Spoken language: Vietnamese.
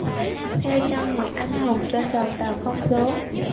theo chân người anh hùng trên đoàn tàu không số